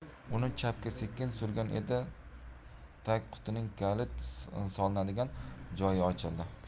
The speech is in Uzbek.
uni chapga sekin surgan edi tagqutining kalit solinadigan joyi ochildi